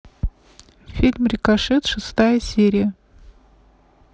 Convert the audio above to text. фильм рикошет шестая серия